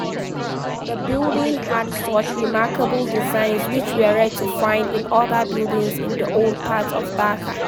The building had such remarkable designs which were rare to find in other buildings in the old parts of Dhaka.